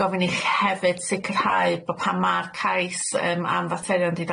gofyn i chi hefyd sicirhau bo' pam ma'r cais yym am faterion di